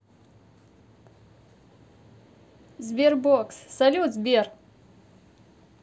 sberbox салют сбер